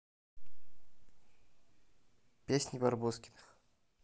песни барбоскиных